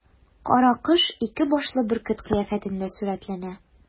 Каракош ике башлы бөркет кыяфәтендә сурәтләнә.